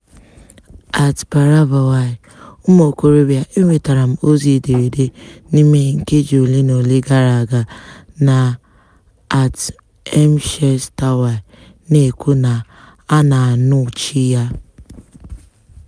@3arabawy: Ụmụ okorobịa, enwetara m ozi ederede n'ime nkeji olenaole gara aga na @msheshtawy na-ekwu na a na-anuwchi ya.